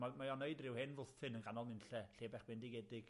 Ma- mae o'n neud ryw hen fwthyn yn ganol nunlle, lle bach bendigedig.